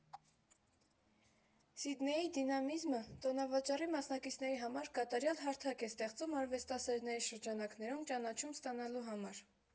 Սիդնեյի դինամիզմը տոնավաճառի մասնակիցների համար կատարյալ հարթակ է ստեղծում արվեստասերների շրջանակներում ճանաչում ստանալու համար։